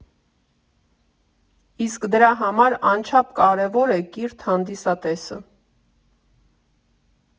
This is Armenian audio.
Իսկ դրա համար անչափ կարևոր է կիրթ հանդիսատեսը։